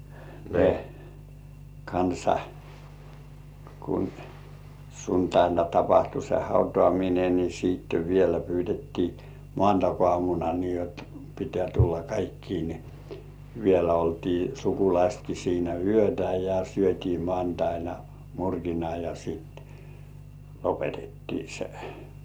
ne kanssa kun sunnuntaina tapahtui se hautaaminen niin sitten vielä pyydettiin maanantaiaamuna niin jotta pitää tulla kaikkien niin vielä oltiin sukulaisetkin siinä yötä ja syötiin maanantaina murkina ja sitten lopetettiin se